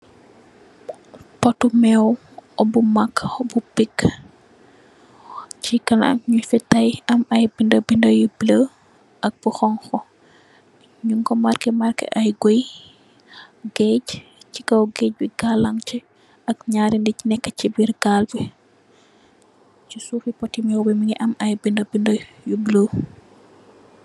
Potu mew bu mak hohbu peak, chi kanam njung fii tei am aiiy binda binda yu bleu ak bu honhu, njung kor markeh markeh aiiy guiy, geudggh chi kaw geudggh bii gaaal langi cii ak njaari nitt neka chi birr gaal bii, chi suffi poti meww bii mungy am aiiy binda binda yu bleu.